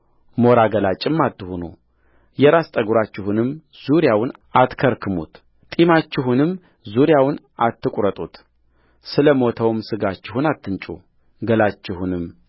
ሞራ ገላጭም አትሁኑየራስ ጠጕራችሁንም ዙሪያውን አትከርክሙት ጢማችሁንም ዙሪያውን አትቍረጡትስለ ሞተውም ሥጋችሁን አትንጩ ገላችሁንም